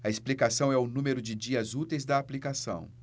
a explicação é o número de dias úteis da aplicação